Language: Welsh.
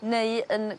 neu yn